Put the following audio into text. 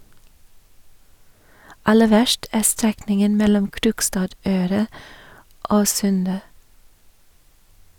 Aller verst er strekningen mellom Krokstadøra og Sunde.